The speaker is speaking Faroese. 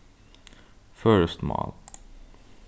føroyskt mál